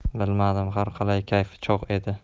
bilmadim har qalay kayfi chog' edi